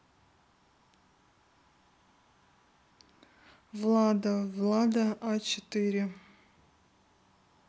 влада влада а четыре